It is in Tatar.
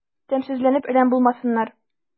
Тәмсезләнеп әрәм булмасыннар...